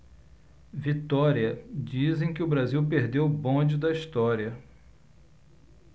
vitória dizem que o brasil perdeu o bonde da história